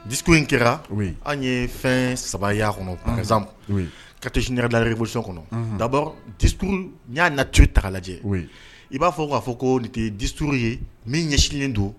Ditu in kɛra anw ye fɛn sabaya kɔnɔmu ka to yɛrɛ lareurusi kɔnɔ dabɔ di'a na to taga lajɛ i b'a fɔ k'a fɔ ko tɛ disuru ye min ɲɛsinlen don